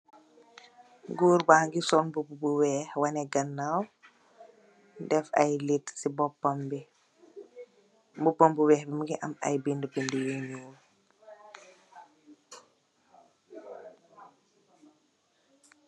Goor bagi sol mbubu bu weex wone kanaw def ay laata si bopam bi mbubam bi weex bi mongi am ay binda binda yu nuul.